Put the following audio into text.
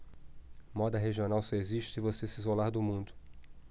moda regional só existe se você se isolar do mundo